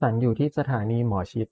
ฉันอยู่ที่สถานีหมอชิต